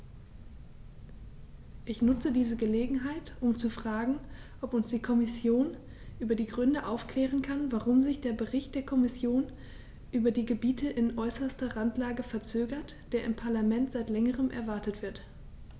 Ich nutze diese Gelegenheit, um zu fragen, ob uns die Kommission über die Gründe aufklären kann, warum sich der Bericht der Kommission über die Gebiete in äußerster Randlage verzögert, der im Parlament seit längerem erwartet wird.